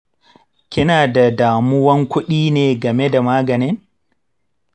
kina da damuwan kuɗi ne game da maganin?